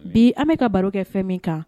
Bi an bɛka ka baro kɛ fɛn min kan